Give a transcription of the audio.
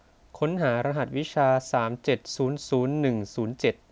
ค้นหารหัสวิชาสามเจ็ดศูนย์ศูนย์หนึ่งศูนย์เจ็ด